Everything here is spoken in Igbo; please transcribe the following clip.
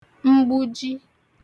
mgbuji